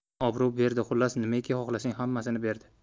obro' berdi xullas nimaiki xohlasang hammasini berdi